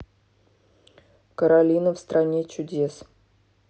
каролина в стране чудес